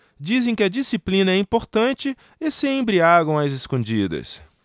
dizem que a disciplina é importante e se embriagam às escondidas